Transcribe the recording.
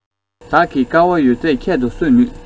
བདག གིས དཀའ བ ཡོད ཚད ཁྱད དུ གསོད ནུས